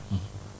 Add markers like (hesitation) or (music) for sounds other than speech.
(hesitation) (hesitation)